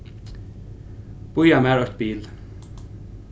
bíða mær eitt bil